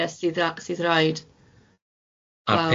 cysylltu a sy ra- sydd raid